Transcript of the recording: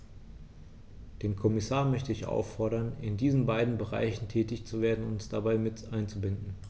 Den Kommissar möchte ich auffordern, in diesen beiden Bereichen tätig zu werden und uns dabei mit einzubinden.